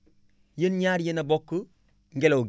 yéen ñaar yéen a bokk ngelaw gi